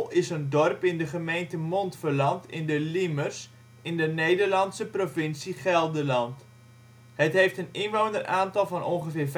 is een dorp in de gemeente Montferland in de Liemers, provincie Gelderland, Nederland. Het heeft een inwoneraantal van ongeveer